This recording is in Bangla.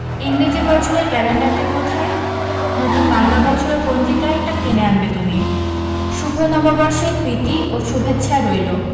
ইংরেজি বছরের ক্যালেন্ডার টি কোথায় নতুন বাংলা বছরের পঞ্জিকা একটা কিনে আনবে তুমি শুভ নববর্ষের প্রীতি ও শুভেচ্ছা রইল